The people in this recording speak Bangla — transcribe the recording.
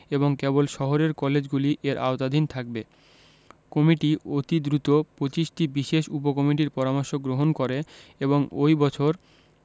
এবং কেবল শহরের কলেজগুলি এর আওতাধীন থাকবে কমিটি অতি দ্রুত ২৫টি বিশেষ উপকমিটির পরামর্শ গ্রহণ করে এবং ওই বছর